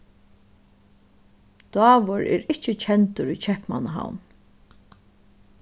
dávur er ikki kendur í keypmannahavn